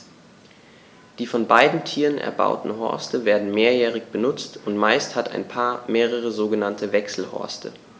Die von beiden Tieren erbauten Horste werden mehrjährig benutzt, und meist hat ein Paar mehrere sogenannte Wechselhorste.